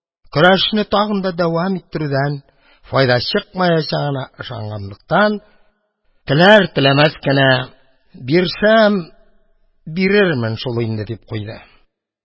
Көрәшне тагын да дәвам иттерүдән файда чыкмаячагына ышанганлыктан, теләр-теләмәс кенә, «бирсәм бирермен шул инде…» дип куйды.